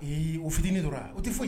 Ee ofitinin dɔrɔn o tɛ fɔ